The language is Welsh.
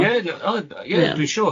Ie oh ie dwi'n siŵr.